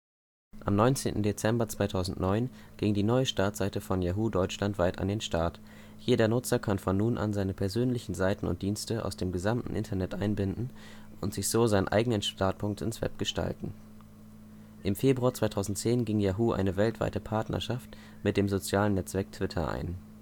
Am 16. Dezember 2009 ging die neue Startseite von Yahoo deutschlandweit an den Start. Jeder Nutzer kann von nun an seine persönlichen Seiten und Dienste aus dem gesamten Internet einbinden und sich so seinen eigenen Startpunkt ins Web gestalten. Im Februar 2010 ging Yahoo eine weltweite Partnerschaft mit dem sozialen Netzwerk Twitter ein